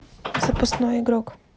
запасной игрок